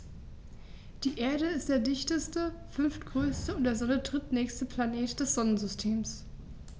Die Erde ist der dichteste, fünftgrößte und der Sonne drittnächste Planet des Sonnensystems.